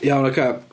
Iawn, oce.